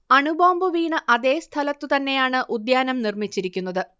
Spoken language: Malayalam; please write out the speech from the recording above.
അണുബോംബ് വീണ അതേ സ്ഥലത്തു തന്നെയാണ് ഉദ്യാനം നിർമ്മിച്ചിരിക്കുന്നത്